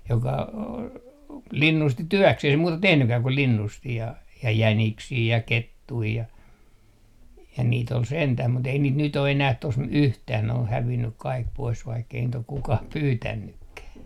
joka linnusti työkseen ei se muuta tehnytkään kuin linnusti ja jäniksiä ja kettuja ja ja niitä oli sentään mutta ei niitä nyt ole enää tuossa yhtään ne on hävinnyt kaikki pois vaikka ei niitä ole kukaan pyytänytkään